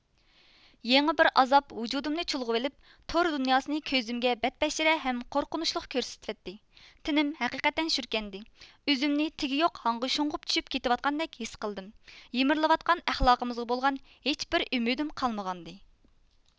يېڭى بىر ئازاب ۋۇجۇدۇمنى چۈلغىۋېلىپ تور دۇنياسىنى كۆزۈمگە بەتبەشىرە ھەم قورقۇنۇچلۇق كۆرسىتىۋەتتى تېنىم ھەقىقەتەن شۈركەندى ئۆزۈمنى تېگى يوق ھاڭغا شۇڭغۇپ چۈشۈپ كېتىۋاتقاندەك ھېس قىلدىم يېمىرىلىۋاتقان ئەخلاقىمىزغا بولغان ھېچ بىر ئۈمىدىم قالمىغانىدى